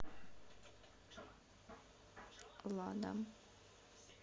лада